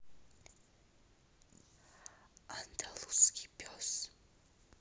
андалузский пес